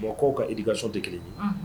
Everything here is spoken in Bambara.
Mɔgɔkaw ka ikasɔn tɛ kelen ye